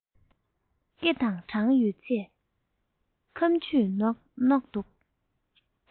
སྐེ དང བྲང ཡོད ཚད ཁམ ཆུས ནོག འདུག